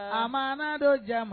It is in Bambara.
A ma na don jama